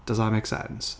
Does that make sense?